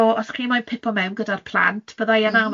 So os chi moyn pipo mewn gyda'r plant bydda i yna... M-hm